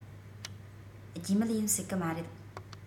རྒྱུས མེད ཡིན སྲིད གི མ རེད